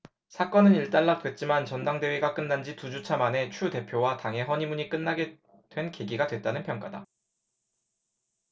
사건은 일단락됐지만 전당대회가 끝난지 두 주차 만에 추 대표와 당의 허니문이 끝나게 된 계기가 됐다는 평가다